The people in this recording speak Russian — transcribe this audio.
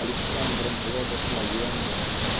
Александром Благословенным